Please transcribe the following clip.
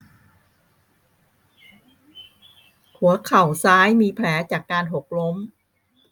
หัวเข่าซ้ายมีแผลจากการหกล้ม